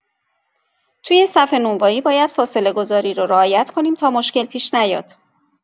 توی صف نونوایی باید فاصله‌گذاری رو رعایت کنیم تا مشکل پیش نیاد.